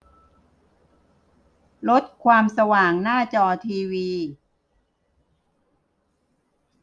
ลดความสว่างหน้าจอทีวี